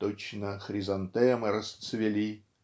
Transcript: точно хризантемы расцвели"